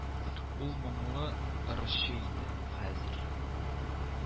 Ул моңлы ырчы иде, хәзер